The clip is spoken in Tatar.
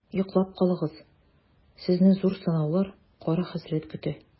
Йоклап калыгыз, сезне зур сынаулар, кара хәсрәт көтә.